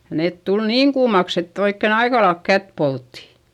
ja ne tuli niin kuumaksi että oikein aika lailla kättä poltti